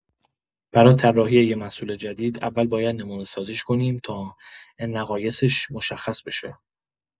برا طراحی یه محصول جدید، اول باید نمونه‌سازیش کنیم تا نقایصش مشخص بشه.